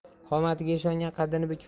qomatiga ishongan qaddini bukib